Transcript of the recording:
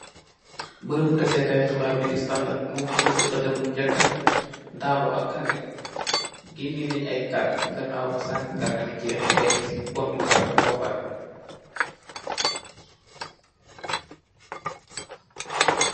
Berembi taseh kai xibaar bi di standard mo fesal si xetam bu ngeh ka neh darboe ak kandeh keneh nen ay kadu ganaw ba sanem katagi jehxeh beng contu karta ga ba parex